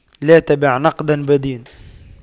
لا تبع نقداً بدين